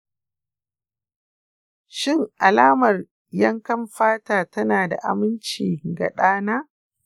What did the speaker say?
shin alamar yankan fata tana da aminci ga ɗa na?